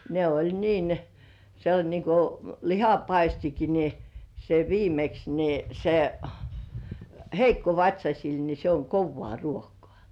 ne oli niin se oli niin kuin lihapaistikin niin se viimeksi niin se heikkovatsaisille niin se on kovaa ruokaa